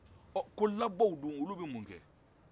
ɔ ko labɔw dun olu bɛ mun kɛ